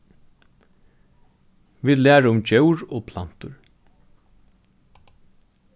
vit læra um djór og plantur